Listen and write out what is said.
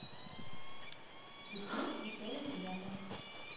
хиты веселые ребята